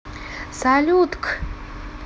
salut к